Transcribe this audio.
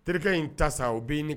Terikɛ in ta sa. U bi ni